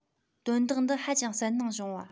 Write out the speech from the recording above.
དོན དག འདི ཧ ཅང གསལ སྣང བྱུང བ